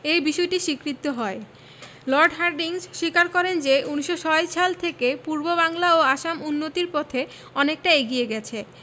এ বিষয়টি স্বীকৃত হয় লর্ড হার্ডিঞ্জ স্বীকার করেন যে ১৯০৬ সাল থেকে পূর্ববাংলা ও আসাম উন্নতির পথে অনেকটা এগিয়ে গেছে